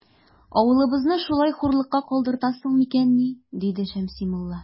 Авылыбызны шулай хурлыкка калдыртасың микәнни? - диде Шәмси мулла.